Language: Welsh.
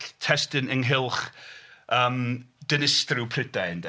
Testun ynghylch yym dinistryw Prydain de.